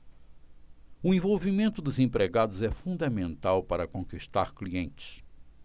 o envolvimento dos empregados é fundamental para conquistar clientes